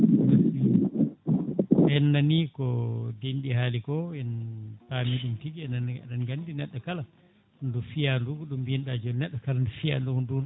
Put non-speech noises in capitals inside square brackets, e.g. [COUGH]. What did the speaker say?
[NOISE] en nani ko denɗi haaliko en paami ɗum tigui enenne eɗen gandi neɗɗo kala ngo fiiya lu no mbinoɗa joni neɗɗo kala ngo fiiya ko ndun